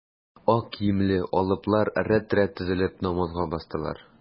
Ак киемле алыплар рәт-рәт тезелеп, намазга бастылар.